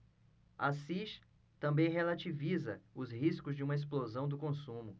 assis também relativiza os riscos de uma explosão do consumo